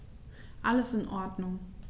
Alles in Ordnung.